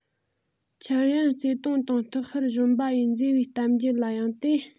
འཆར ཡན བརྩེ དུང དང སྟག ཤར གཞོན པ ཡི མཛེས པའི གཏམ རྒྱུད ལ གཡེང སྟེ